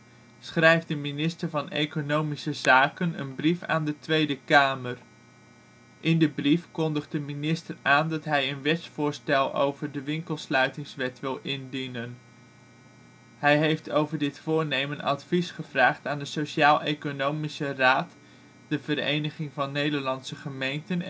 schrijft de minister van Economische Zaken een brief aan de Tweede Kamer. In de brief kondigt de minister aan dat hij een wetsvoorstel over de winkelsluitingstijden wil indienen. Hij heeft over dit voornemen advies gevraagd aan de Sociaal-Economische Raad (SER), de Vereniging van Nederlandse Gemeenten